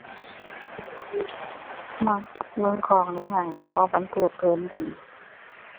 มักเบิ่งของในห้างจ้ะ เพราะมันเพลิดเพลินดี